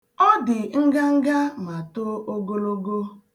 Ọ dị nganga ma too ogologo.